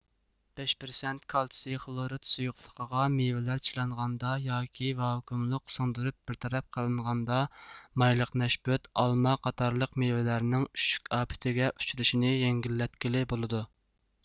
بەش پىرسەنت كالتسىي خلورىد سۇيۇقلۇقىغا مېۋىلەر چىلانغاندا ياكى ۋاكۇئوملۇق سىڭدۈرۈلۈپ بىر تەرەپ قىلىنغاندا مايلىق نەشپۈت ئالما قاتارلىق مېۋىلەرنىڭ ئۈششۈك ئاپىتىگە ئۇچرىشىنى يەڭگىللەتكىلى بولىدۇ